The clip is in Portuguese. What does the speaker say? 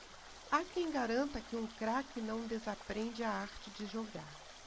há quem garanta que um craque não desaprende a arte de jogar